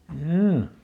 joo